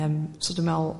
yym so dwi me'l